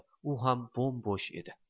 u ham bo'sh edi